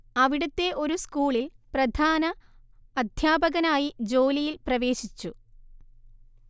അവിടുത്തെ ഒരു സ്കൂളിൽ പ്രധാന അദ്ധ്യാപകനായി ജോലിയിൽ പ്രവേശിച്ചു